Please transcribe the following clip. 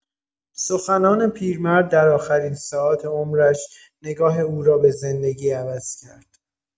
سخنان پیرمرد در آخرین ساعات عمرش، نگاه او را به زندگی عوض کرد.